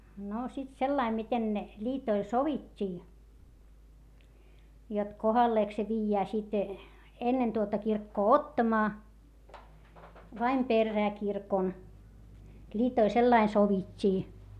no sitten sillä lailla miten ne liitoille sovittiin jotta kohdalleenko se viedään sitten ennen tuota kirkkoa ottamaan vai perään kirkon liitoille sillä lailla sovittiin